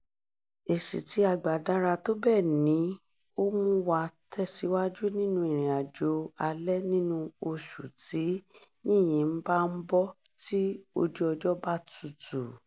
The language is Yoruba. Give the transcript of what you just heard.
Èsì tí a gbà dára tó bẹ́ẹ̀ ni ó mú wa tẹ̀síwájú nínú ìrìnàjò alẹ́ nínú oṣù tí yìnyín bá ń bọ́ tí ojú ọjọ́ bá tútù.